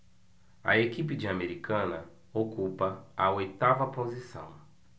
a equipe de americana ocupa a oitava posição